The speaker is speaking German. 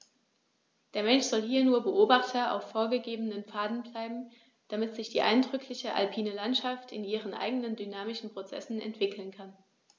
Der Mensch soll hier nur Beobachter auf vorgegebenen Pfaden bleiben, damit sich die eindrückliche alpine Landschaft in ihren eigenen dynamischen Prozessen entwickeln kann.